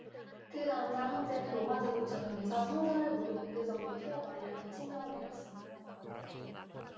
그다음 날 황제는 로마 제국 전역에서 성서를 모두 공개적으로 태워 버리라는 칙령을 내렸습니다